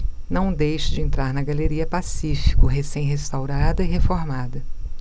não deixe de entrar na galeria pacífico recém restaurada e reformada